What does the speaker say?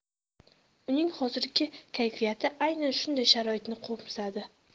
uning hozirgi kayfiyati aynan shunday sharoitni qo'msardi